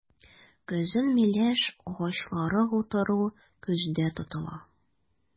Көзен миләш агачлары утырту күздә тотыла.